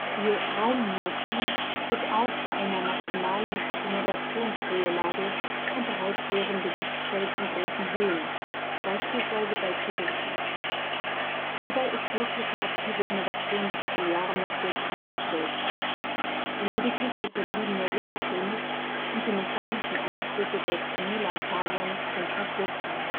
Die Raummyopie tritt auf bei einer maximalen Akkommodationsruhelage und reizleerem Gesichtsfeld in großen Höhen, beispielsweise bei Piloten. Hierbei ist jegliche aktive Innervation des Ziliarmuskels eingestellt. Lediglich der verbliebene Ruhetonus und die mechanischen Einflüsse der Zonulafasern sind noch wirksam